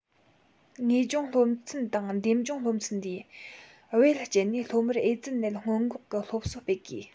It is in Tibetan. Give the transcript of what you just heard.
ངེས སྦྱོང སློབ ཚན དང འདེམ སྦྱོང སློབ ཚན འདུས བེད སྤྱད ནས སློབ མར ཨེ ཙི ནད སྔོན འགོག གི སློབ གསོ སྤེལ དགོས